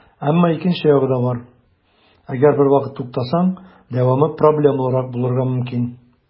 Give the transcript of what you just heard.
Әмма икенче ягы да бар - әгәр бервакыт туктасаң, дәвамы проблемалырак булырга мөмкин.